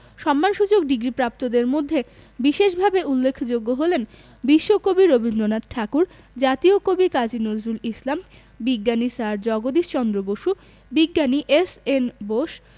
সম্মানসূচক ডিগ্রিপ্রাপ্তদের মধ্যে বিশেষভাবে উল্লেখযোগ্য হলেন বিশ্বকবি রবীন্দ্রনাথ ঠাকুর জাতীয় কবি কাজী নজরুল ইসলাম বিজ্ঞানী স্যার জগদীশ চন্দ্র বসু বিজ্ঞানী এস.এন বোস